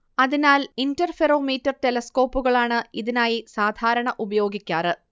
അതിനാൽ ഇന്റർഫെറൊമീറ്റർ ടെലസ്കോപ്പുകളാണ് ഇതിനായി സാധാരണ ഉപയോഗിക്കാറ്